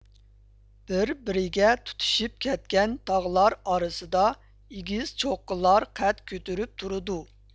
بىر بىرىگە تۇتىشىپ كەتكەن تاغلار ئارىسىدا ئېگىز چوققىلار قەد كۆتۈرۈپ تۇرىدۇ